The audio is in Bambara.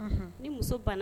Ni muso banna